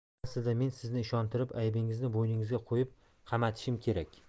aslida men sizni ishontirib aybingizni bo'yningizga qo'yib qamatishim kerak